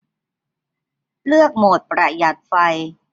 เลือกโหมดประหยัดไฟ